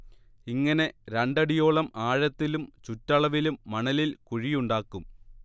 ഇങ്ങനെ രണ്ടടിയോളം ആഴത്തിലും ചുറ്റളവിലും മണലിൽ കുഴിയുണ്ടാക്കും